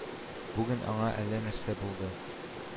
Бүген аңа әллә нәрсә булды